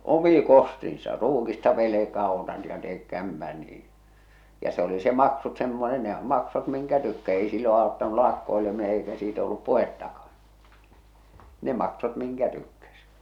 omin kostinsa ruukista velkaa otat ja teet kämpän niin ja se oli se maksut - nehän maksoivat minkä - ei silloin auttanut lakkoileminen eikä siitä ollut puhettakaan ne maksoivat minkä tykkäsi